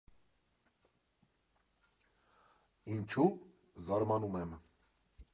Ինչո՞ւ՝ զարմանում եմ։